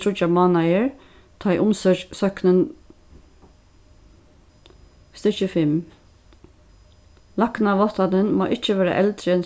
tríggjar mánaðir tá ið stykki fimm læknaváttanin má ikki vera eldri enn